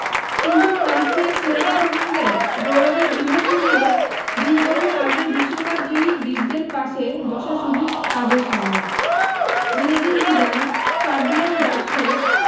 কিন্তু ফ্রান্স কি আর ছেড়ে কথা বলবে গৌরবের বিভা ছড়িয়ে ২০ বছর আগের বিশ্বকাপজয়ী বীরদের পাশে বসার সুযোগ তাদের সামনে জিনেদিন জিদান ফাবিয়ান বার্থেজ